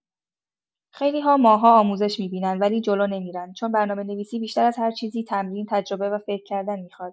خیلی‌ها ماه‌ها آموزش می‌بینن، ولی جلو نمی‌رن، چون برنامه‌نویسی بیشتر از هر چیزی تمرین، تجربه و فکر کردن می‌خواد.